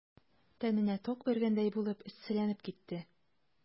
Тәненә ток бәргәндәй булып эсселәнеп китте.